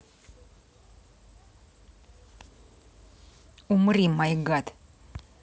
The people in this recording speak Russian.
умри май гад